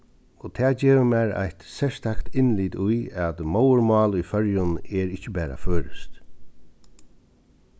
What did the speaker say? og tað gevur mær eitt serstakt innlit í at móðurmál í føroyum er ikki bara føroyskt